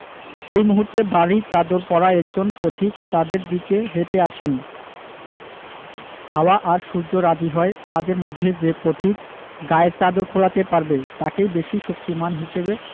সেই মুহূর্তে ভারি চাদর পরা একজন পথিক তাদের দিকে হেটে আসেন হাওয়া আর সূর্য রাজি হয় তাদের মধ্যে যে পথিকে গায়ের চাদর খোলাতে পারবে তাকেই বেশি শক্তিমান হিসেবে